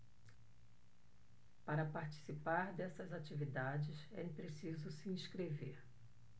para participar dessas atividades é preciso se inscrever